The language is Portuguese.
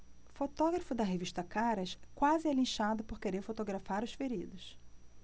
fotógrafo da revista caras quase é linchado por querer fotografar os feridos